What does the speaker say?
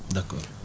d' accord